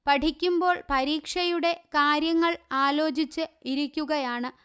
പഠിക്കുമ്പോൾ പരീക്ഷയുടെ കാര്യങ്ങൾ ആലോചിച്ച് ഇരിക്കുകയാണ്